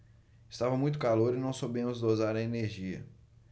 estava muito calor e não soubemos dosar a energia